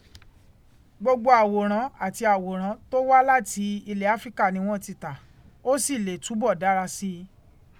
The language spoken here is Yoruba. Gbogbo àwòrán àti àwòrán tó wá láti ilẹ̀ Áfíríkà ni wọ́n ti tà, ó sì lè túbọ̀ dára sí i.